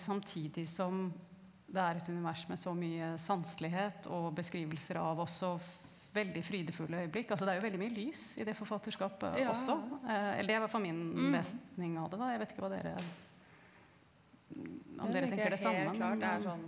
samtidig som det er et univers med så mye sanselighet og beskrivelser av også veldig frydefulle øyeblikk, altså det er jo veldig mye lys i det forfatterskap også, eller det er i hvert fall min lesning av det da jeg vet ikke hva dere om dere tenker det samme men .